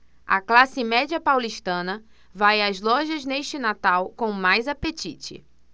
a classe média paulistana vai às lojas neste natal com mais apetite